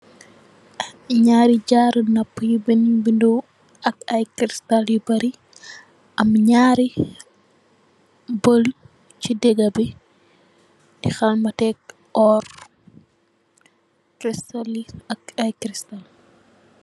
Njaari jaarou nopu yu bin, bindoh ak aiiy crystal yu bari, am njaari bul chi digah bi, dii helmatek orrr, crystali ak aiiy crystal.